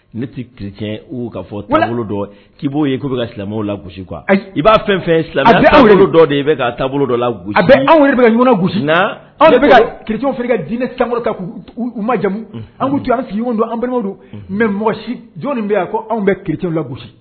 Ne tɛ ki ka fɔ taabolo k'i b'o ye' ka silamɛw la gosi kuwa ayi i b'a fɛn fɛn dɔ de i bɛ ka taabolo dɔ la a anw gosi na kiw fili ka diinɛ sa ka u ma jamumu an bɛ an sigi don an mɛ mɔgɔ si jɔn bɛ ko anw bɛ kiiriw la gosi